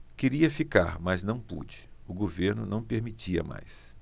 queria ficar mas não pude o governo não permitia mais